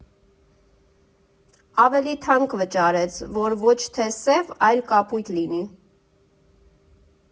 Ավելի թանկ վճարեց, որ ոչ թե սև, այլ կապույտ լինի։